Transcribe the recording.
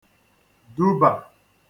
-dubà